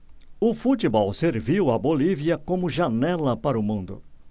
o futebol serviu à bolívia como janela para o mundo